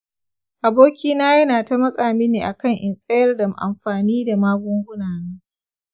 abokina ya na ta matsa mini akan in tsayar da amfani da magungunana.